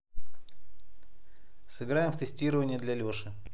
сыграем в тестирование для леши